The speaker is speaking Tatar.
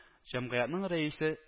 Җәмгыятьнең рәисе